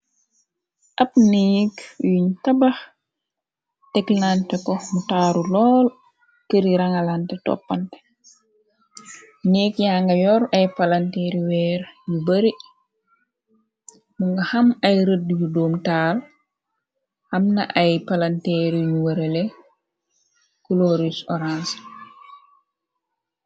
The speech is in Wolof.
Ab niik yuñ tabax, teklante ko mu taaru lool këri rangalante toppante. Niik ya nga yor ay palanteeryi weer yu bari , mu nga xam ay rëdd yu doom taal, amna ay palanteer yuñu wërale kuloris orange.